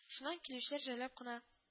Шуннан килүчеләр җайлап кына: